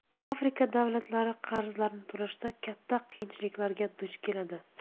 afrika davlatlari qarzlarni to'lashda katta qiyinchiliklarga duch keladi